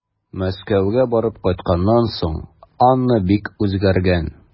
Мәскәүгә барып кайтканнан соң Анна бик үзгәргән.